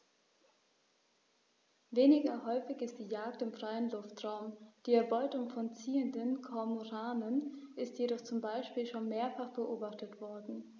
Weniger häufig ist die Jagd im freien Luftraum; die Erbeutung von ziehenden Kormoranen ist jedoch zum Beispiel schon mehrfach beobachtet worden.